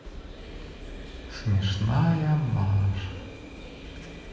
смешная маша